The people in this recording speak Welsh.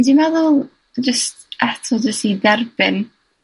Dwi'n meddwl, jyst, eto, jyst i dderbyn